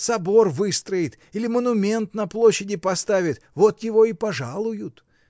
Собор выстроит или монумент на площади поставит — вот его и пожалуют!